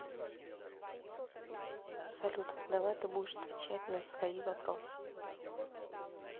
салют давай ты будешь отвечать на свои вопросы